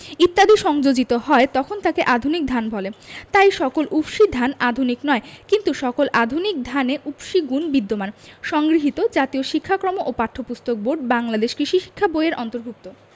ইত্যাদি সংযোজিত হয় তখন তাকে আধুনিক ধান বলে তাই সকল উফশী ধান আধুনিক নয় কিন্তু সকল আধুনিক ধানে উফশী গুণ বিদ্যমান সংগৃহীত জাতীয় শিক্ষাক্রম ও পাঠ্যপুস্তক বোর্ড বাংলাদেশ কৃষি শিক্ষা বই এর অন্তর্ভুক্ত